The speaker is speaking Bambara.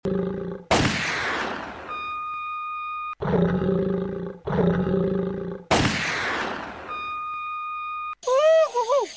Wa yo